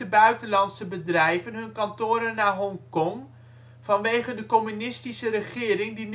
buitenlandse bedrijven hun kantoren naar Hongkong, vanwege de communistische regering die